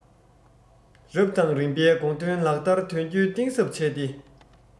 རབ དང རིམ པའི དགོངས དོན ལག བསྟར དོན འཁྱོལ གཏིང ཟབ བྱས ཏེ